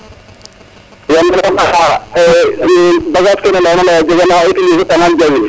bagage kene leyona ley a jega na utiliser tangan jawin